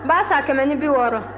n b'a san kɛmɛ ni bi wɔɔrɔ